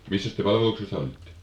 missäs te palveluksessa olitte